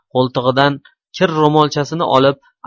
qo'ltig'idan kir ro'molchasini olib